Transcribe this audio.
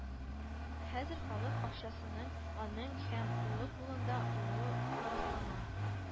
Хәзер халык акчасының аның һәм улы кулында булуы фаразлана